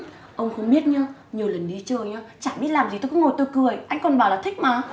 ông không biết nhớ nhiều lần đi chơi nhớ chẳng biết làm gì tôi cứ ngồi tôi cười anh còn bảo là thích mà